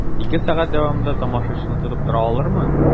Ике сәгать дәвамында тамашачыны тотып тора алырмы?